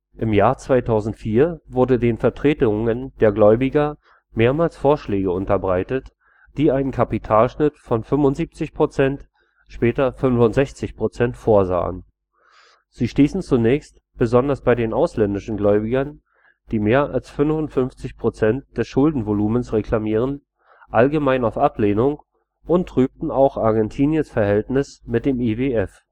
Im Jahr 2004 wurden den Vertretungen der Gläubiger mehrmals Vorschläge unterbreitet, die einen Kapitalschnitt von 75%, später 65% vorsahen. Sie stießen zunächst besonders bei den ausländischen Gläubigern, die mehr als 55% des Schuldenvolumens reklamieren, allgemein auf Ablehnung und trübten auch Argentiniens Verhältnis mit dem IWF